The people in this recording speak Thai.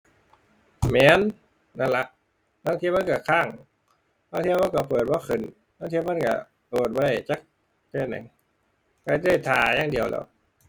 แม่น นั่นล่ะ ลางเที่ยมันก็ค้าง ลางเที่ยมันก็เปิดบ่ขึ้น ลางเที่ยมันก็โหลดบ่ได้ จัก ก็ได้ท่าอย่างเดียวแหล้ว